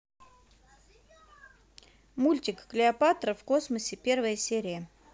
мультик клеопатра в космосе первая серия